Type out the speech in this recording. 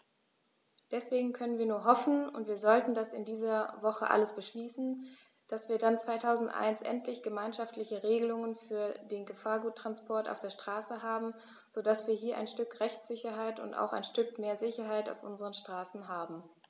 Deswegen können wir nur hoffen - und wir sollten das in dieser Woche alles beschließen -, dass wir dann 2001 endlich gemeinschaftliche Regelungen für den Gefahrguttransport auf der Straße haben, so dass wir hier ein Stück Rechtssicherheit und auch ein Stück mehr Sicherheit auf unseren Straßen haben.